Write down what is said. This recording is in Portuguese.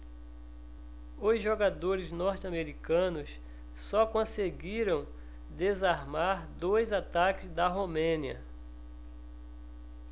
os jogadores norte-americanos só conseguiram desarmar dois ataques da romênia